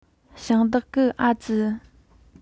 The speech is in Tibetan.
ཞིང བདག གི ཨ ཙི